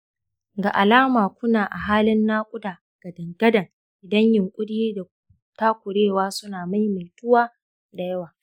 ga alama ku na a halin naƙuda gadan-gadan idan yunƙuri da takurewa su na maimaituwa da yawa